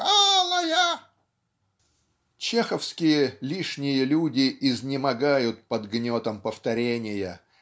голая!" Чеховские лишние люди изнемогают под гнетом повторения